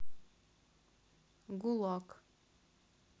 гулаг